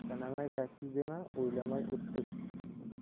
sanamay sakkiz dema o'ylamay o'ttiz